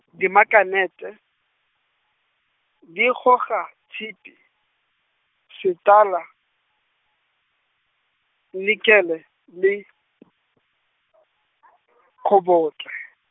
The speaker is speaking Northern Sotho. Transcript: dimaknete, di goga, tshipi, setala, nikhele, le , khobalte.